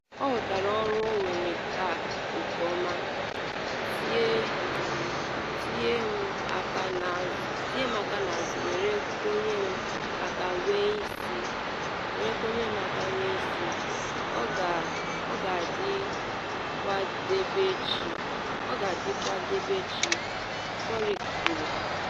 “Ọ họtara ọrụ ọ nwere taa nke ọma, tie m aka n’azụ were konye m aka wee sị, ọ ga-adị nkwadebe echi,” Furyk kwuru.